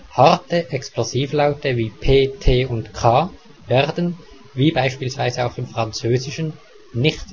Harte Explosivlaute wie p, t und k werden, wie beispielsweise auch im Französischen, nicht